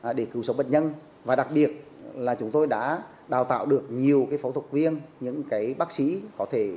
để cứu sống bệnh nhân và đặc biệt là chúng tôi đã đào tạo được nhiều phẫu thuật viên những kỹ bác sĩ có thể